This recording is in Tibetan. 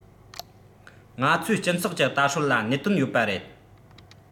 ང ཚོས སྤྱི ཚོགས ཀྱི དར སྲོལ ལ གནད དོན ཡོད པ རེད